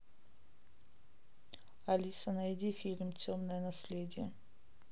алиса найди фильм темное наследие